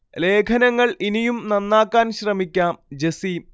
ലേഖനങ്ങൾ ഇനിയും നന്നാക്കാൻ ശ്രമിക്കാം ജസീം